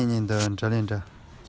གཅིག ཁྱོད ཀྱིས ཁྱེར སོང